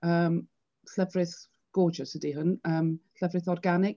Yym llefrith gorgeous ydy hwn, yym llefrith organig.